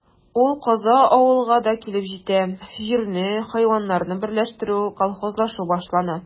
Ул каза авылга да килеп җитә: җирне, хайваннарны берләштерү, колхозлашу башлана.